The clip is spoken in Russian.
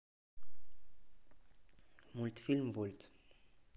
мультфильм вольт